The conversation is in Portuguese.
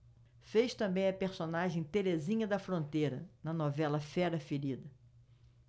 fez também a personagem terezinha da fronteira na novela fera ferida